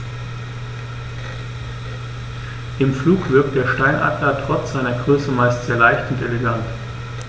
Im Flug wirkt der Steinadler trotz seiner Größe meist sehr leicht und elegant.